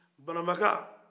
bananba ka